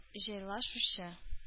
Җайлашучы